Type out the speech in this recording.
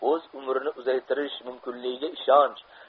o'z umrini uzaytirish mumkinligiga ishonch